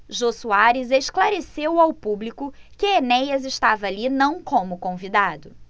jô soares esclareceu ao público que enéas estava ali não como convidado